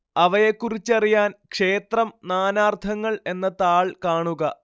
അവയെക്കുറിച്ചറിയാൻ ക്ഷേത്രം നാനാർത്ഥങ്ങൾ എന്ന താൾ കാണുക